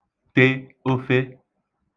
te ofe